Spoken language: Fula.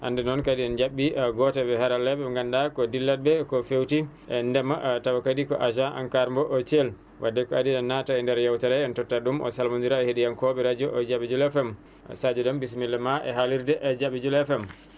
hannde noon kadi en njaɓɓi goto e haralleɓe mo ganduɗa ko dilloɗo ko fewti e ndema tawa kadi ko agent ANCARE mo Thiel wadde ko aadi en naata e nder yewtere he tottat ɗum o salmodira e heeɗiyankoɓe radio JABY JULA FL Sadio Déme bisimilla ma e haalirde JABY JULA FM